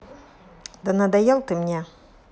да надоел ты мне